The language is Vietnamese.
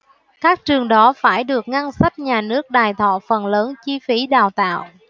các trường đó phải được ngân sách nhà nước đài thọ phần lớn chi phí đào tạo